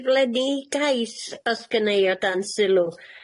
Yy ffurflenni gais ys gynna i o dan sylw.